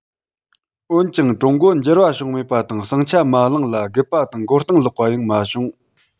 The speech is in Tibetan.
འོན ཀྱང ཀྲུང གོ འགྱུར བ བྱུང མེད པ དང ཟིང ཆ མ ལངས ལ རྒུད པ དང མགོ རྟིང ལོག པ ཡང མ བྱུང